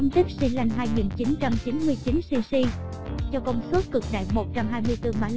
dung tích xy lanh cc cho công suất cực đại ps